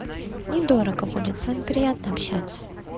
не дорого будет с вами приятно общаться